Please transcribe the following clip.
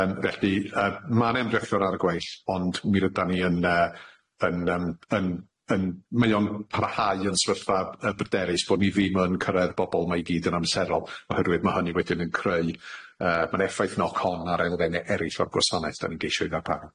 Yym felly yy ma'n emdrethiwr ar y gwaill ond mi rydan ni yn yy yn yn yn yn mae o'n parhau yn swyrtha yy bryderus bo' ni ddim yn cyrredd bobol ma' i gyd yn amserol oherwydd ma' hynny wedyn yn creu yy, ma'n effaith knock on ar elfenne eryll o'r gwasanaeth dan ni'n geisio i ddarpar.